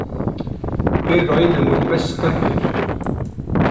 eg royni mítt besta her